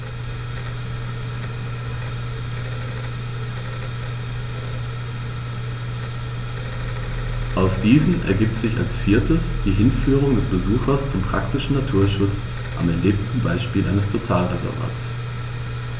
Aus diesen ergibt sich als viertes die Hinführung des Besuchers zum praktischen Naturschutz am erlebten Beispiel eines Totalreservats.